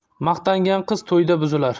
maqtangan qiz to'yda buzilar